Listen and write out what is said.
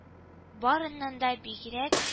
Барыннан да бигрәк